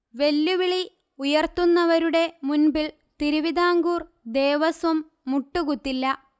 വെല്ലുവിളി ഉയർത്തുന്നവരുടെ മുന്പിൽ തിരുവിതാംകൂർ ദേവസ്വം മുട്ടുകുത്തില്ല